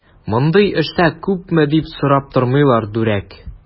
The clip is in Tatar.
Мондый эштә күпме дип сорап тормыйлар, дүрәк!